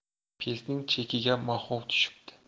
pesning chekiga moxov tushibdi